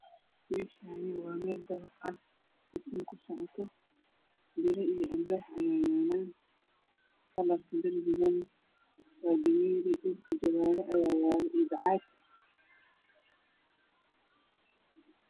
Meeshaan waa meel dabaq ah oo dhismo ka socoto biro iyo alwaax ayaa yaalo, kalarka darbiga waa dameeri, dhulka jawaano ayaa yaalo iyo bacaad.